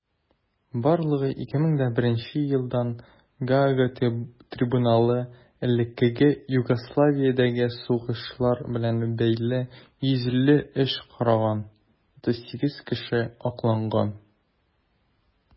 Барлыгы 2001 елдан Гаага трибуналы элеккеге Югославиядәге сугышлар белән бәйле 150 эш караган; 38 кеше акланган.